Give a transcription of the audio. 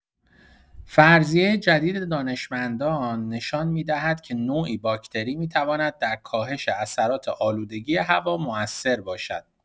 فرضیه جدید دانشمندان نشان می‌دهد که نوعی باکتری می‌تواند در کاهش اثرات آلودگی هوا مؤثر باشد.